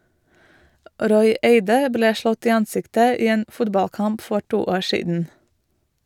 Roy Eide ble slått i ansiktet i en fotballkamp for to år siden.